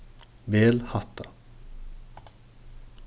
vel hatta